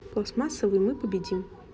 пластмассовый мы победим